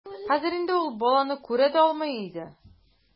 Хәзер инде ул баланы күрә дә алмый иде.